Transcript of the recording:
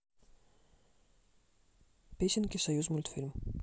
песенки союзмультфильм